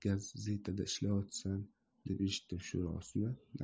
gazetda ishlavotsan deb eshitdim shu rostmi